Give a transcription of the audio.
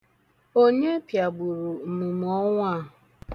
Onye pịagburu mmụmụọwa a?